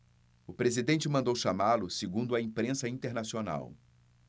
o presidente mandou chamá-lo segundo a imprensa internacional